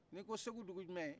n'i ko segu dugu jumɛn